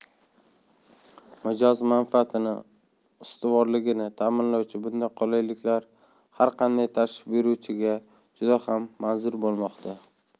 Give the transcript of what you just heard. mijoz manfaati ustuvorligini ta'minlovchi bunday qulayliklar har qanday tashrif buyuruvchiga juda ham manzur bo'lmoqda